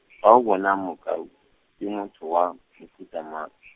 fa o bona Mokua, ke motho wa , mofuta mang?